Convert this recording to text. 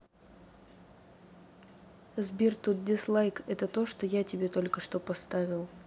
сбер тут дизлайк это то что я тебе только что поставил